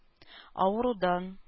Авырудан